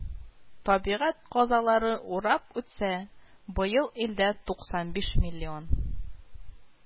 Табигать казалары урап үтсә, быел илдә туксан биш миллион